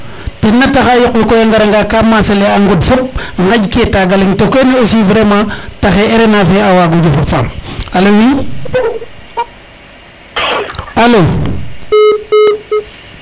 ten na taxa yoq we koy a ngara nga ka masale a ngod fop ŋaƴ ke taga len to kene aussi vraiment taxe RNA fe a wago jofa paam alo oui alo